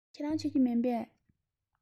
ཁྱོད རང མཆོད ཀྱི མིན པས